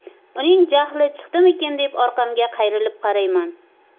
uning jahli chiqdimikin deb orqamga qayrilib qarayman